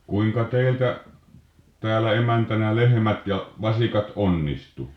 kuinka teiltä täällä emäntänä lehmät ja vasikat onnistui